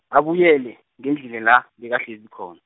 abuyele, ngendlini la, bekahlezi khon-.